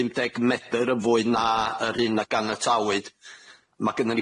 pum deg medr yn fwy na yr un a gan y tawyd ma' gynnon